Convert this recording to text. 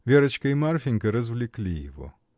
Верочка и Марфинька развлекли его.